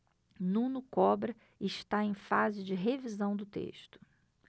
nuno cobra está em fase de revisão do texto